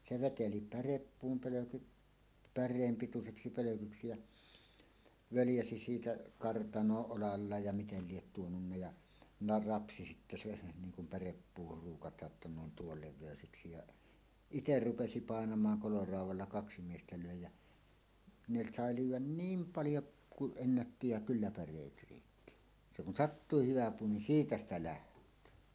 se veteli pärepuun pölkyt päreen pituiseksi pölkyksi ja völjäsi siitä kartanoon olallaan ja miten lie tuonut ja - rapsi sitten sen niin kun pärepuuhun ruukataan että ne on tuon levyiseksi ja itse rupesi painamaan koloraudalla kaksi miestä löi ja ne sai lyödä niin paljon kuin ennätti ja kyllä päreet riitti se kun sattuu hyvä puu niin siitä sitä lähtee